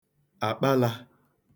àkpalā